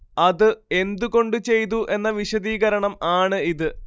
അത് എന്തു കൊണ്ട് ചെയ്തു എന്ന വിശദീകരണം ആണ്‌ ഇത്